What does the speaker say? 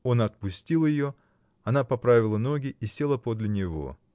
Он отпустил ее, она поправила ноги и села подле него.